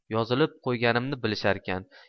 yozilib qo'yganimni bilisharkan